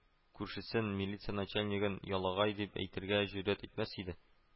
Күршесен, милиция начальнигын ялагай дип әйтергә җөрьәт итмәс иде